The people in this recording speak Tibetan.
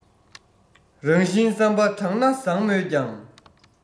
རང བཞིན བསམ པ དྲང ན བཟང མོད ཀྱང